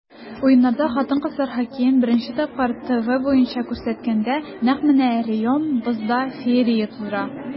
Уеннарда хатын-кызлар хоккеен беренче тапкыр ТВ буенча күрсәткәндә, нәкъ менә Реом бозда феерия тудыра.